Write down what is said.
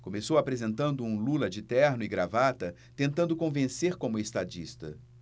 começou apresentando um lula de terno e gravata tentando convencer como estadista